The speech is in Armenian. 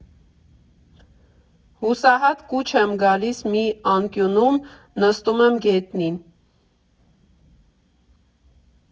Հուսահատ կուչ եմ գալիս մի անկյունում, նստում եմ գետնին։